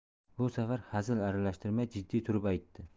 bu safar xazil aralashtirmay jiddiy turib aytdi